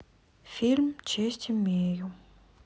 фильм честь имею